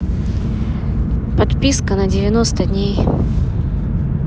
подписка на девяносто дней